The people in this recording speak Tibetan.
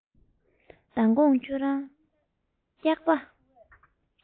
མདང དགོང ཁྱོད རང སྐྱག པ